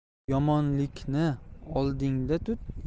yomonlikni oldingda tut